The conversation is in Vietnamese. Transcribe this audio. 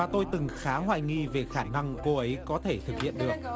và tôi từng khá hoài nghi về khả năng cô ấy có thể thực hiện được